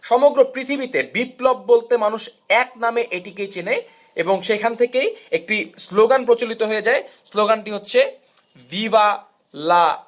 সমগ্র পৃথিবীতে বিপ্লব বলতে এক নামে এটিকে চেনে এবং সেখান থেকে একটি স্লোগান প্রচলিত হয়ে যায় স্লোগানটি হচ্ছে ভিভা লা